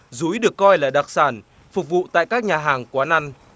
dúi được coi là đặc sản phục vụ tại các nhà hàng quán ăn